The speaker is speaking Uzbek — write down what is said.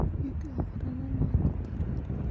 yuk og'irini nor ko'tarar